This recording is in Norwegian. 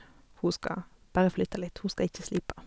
Hun skal bare flytte litt, hun skal ikke slipe.